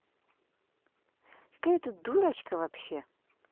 какая ты дурочка вообще